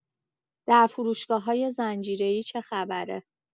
در فروشگاه‌های زنجیره‌ای چه خبره؟